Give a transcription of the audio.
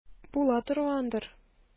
Була торгандыр.